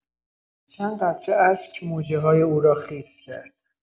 چند قطره اشک مژه‌های او را خیس کرد.